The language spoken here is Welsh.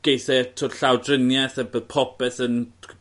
geith e t'wod llawdrinieth a bydd popeth yn